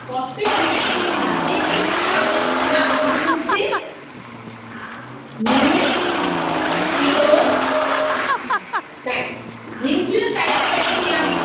phosphate গ্রুপটা যদি আমরা বাদ দিয়ে দেই তাহলে সেটার নাম হবে হচ্ছে নিউক্লিয়সাইট নিউক্লিয়সাইটের সাথে যদি আমি